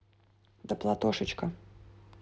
да платошечка